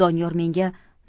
doniyor menga